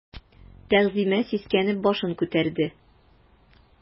Тәгъзимә сискәнеп башын күтәрде.